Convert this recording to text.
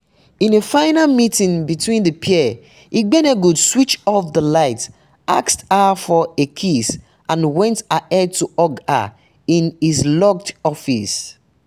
In a final meeting between the pair, Igbenegbu switched off the lights, asked her for a kiss and went ahead to hug her in his locked office.